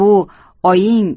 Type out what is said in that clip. bu oying